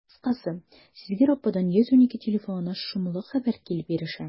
Кыскасы, сизгер ападан «112» телефонына шомлы хәбәр килеп ирешә.